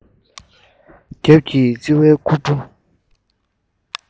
རྒྱབ གྱི ལྕི བའི ཁུར པོ